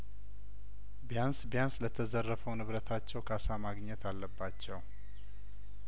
ቢያንስ ቢያንስ ለተ ዘረፈውን ብረታቸው ካሳ ማግኘት አለባቸው